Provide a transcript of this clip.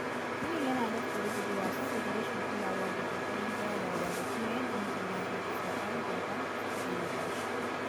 Ginin yana daf da rugujewa saboda rashin kulawa da ƙoƙarin gyarawa da kuma yadda mazauna ba bisa ƙa'ida ba suka illata shi.